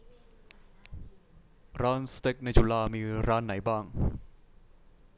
ร้านสเต็กในจุฬามีร้านไหนบ้าง